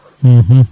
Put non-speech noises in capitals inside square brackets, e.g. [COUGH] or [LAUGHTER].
[HESITATION] [HESITATION]